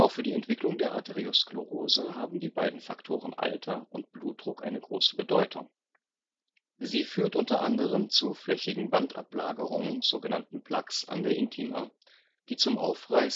für die Entwicklung der Arteriosklerose haben die beiden Faktoren Alter und Blutdruck eine große Bedeutung. Sie führt unter anderem zu flächigen Wandablagerungen (Plaques) an der Intima, die zum Aufreißen